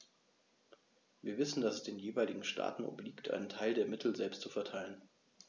Wir wissen, dass es den jeweiligen Staaten obliegt, einen Teil der Mittel selbst zu verteilen.